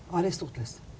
Aristoteles.